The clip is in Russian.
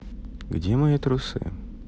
где мои трусы